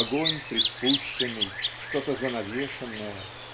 огонь приспущенный, что-то занавешенное